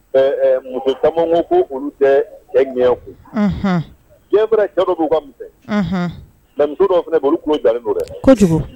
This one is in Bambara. Ɛɛ muso caman ko k'olu cɛ ŋɛɲɛ kun, unhun bien vrai cɛ dɔw bɛ yen olu ka misɛn, unhun mais muso dɔw fana bɛ yen olu tulo kalen dɔ dɛ, kojugu.